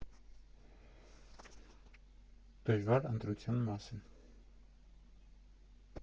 Դժվար ընտրության մասին։